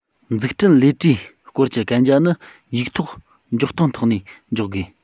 འཛུགས སྐྲུན ལས གྲྭའི སྐོར གྱི གན རྒྱ ནི ཡིག ཐོག འཇོག སྟངས ཐོག ནས འཇོག དགོས